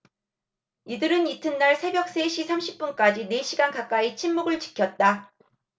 이들은 이튿날 새벽 세 시 삼십 분까지 네 시간 가까이 침묵을 지켰다